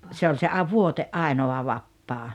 se oli se - vuoden ainoa vapaa